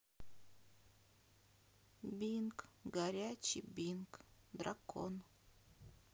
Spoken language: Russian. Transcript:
бинг горячий бинг дракон